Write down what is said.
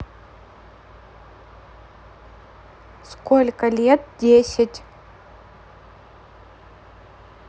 сколько лет десять